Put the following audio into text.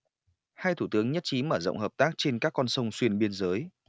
hai thủ tướng nhất trí mở rộng hợp tác trên các con sông xuyên biên giới